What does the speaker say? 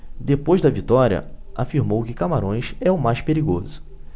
depois da vitória afirmou que camarões é o mais perigoso